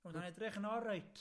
Ma' hwnna'n edrych yn oreit.